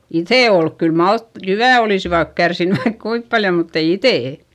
ide oli kyllä - jyvät olisivat kärsinyt vaikka kuinka paljon mutta ei iteet